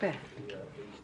Be'?